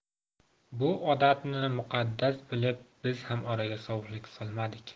bu odatni muqaddas bilib biz ham oraga sovuqlik solmadik